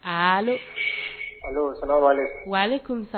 Sabali wali